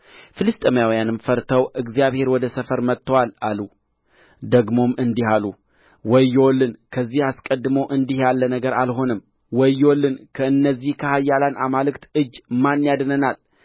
ፍልስጥኤማውያንም ፈርተው እግዚአብሔር ወደ ሰፈር መጥቶአል አሉ ደግሞም እንዲህ አሉ ወዮልን ከዚህ አስቀድሞ እንዲህ ያለ ነገር አልሆነም ወዮልን ከእነዚህ ከኃያላን አማልክት እጅ ማን ያድነናል